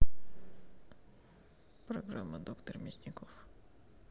программа доктор мясников